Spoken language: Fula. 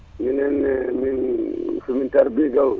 minenne min somin caarji gawri